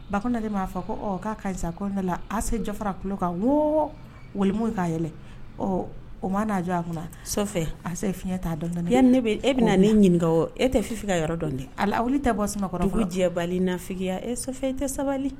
Bakoda de b'a fɔ ko k'a ka koda la ase jɔfara tulo ka ko wali k'aɛlɛn o ma'a jɔ a kunnafɛ ase fiɲɛ t'a dɔn bɛ e bɛ na ne ɲininkaka e tɛ fi ka yɔrɔ dɔn dɛ tɛ bɔ sama kɔnɔ bali nafiya e e tɛ sabali